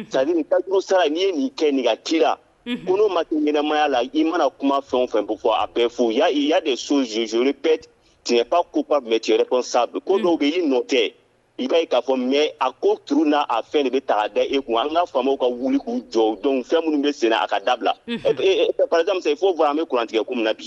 Kunun ma ɲɛnamaya la i mana kuma fɛn fɛn fɔ a bɛ fo ya ya de so zz zop tiɲɛba kup mɛ cɛ sa ko' bɛ ii nɔ i ka k'a fɔ mɛ a ko tu n'a fɛn de bɛ taa da e an n'a fa ka wuli' jɔ dɔn fɛn minnu bɛ sen a ka dabila se fo fɔra an bɛ kurantigɛ